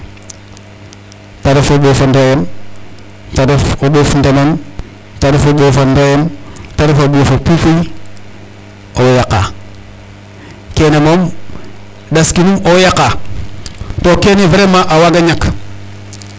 Ta ref o Ɓoof a Ndoyen ta ref o Ɓoof Ndemen ta ref o Ɓoof Ndoyen ta ref o Ɓoof a Puupuy owey yaqaa kene moom ndaskinum owey yaqaa to kene vraiment a waaga yaq.